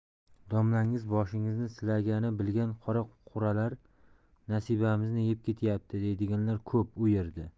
domlangiz boshingizni silagani bilgan qora quralar nasibamizni yeb ketyapti deydiganlar ko'p u yerda